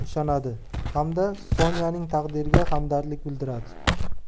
ishonadi hamda sonyaning taqdiriga hamdardlik bildiradi